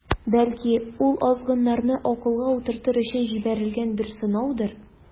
Бәлки, ул азгыннарны акылга утыртыр өчен җибәрелгән бер сынаудыр.